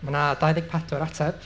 Mae 'na dau ddeg pedwar ateb.